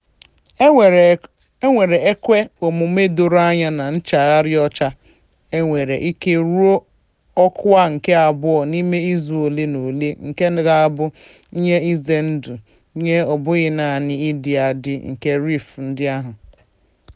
E nwere ekwe omume doro anya na nchaghari ọcha a nwere ike ruo ọkwa nke abụọ n'ime izu ole na ole, nke ga-abụ ihe ize ndụ nye ọbụghị naanị ịdị adị nke Reef ndị ahụ, kamakwa ihe ndị dị ndụ n'oké osimiri na ndị bi n'àgwàetiti ahụ.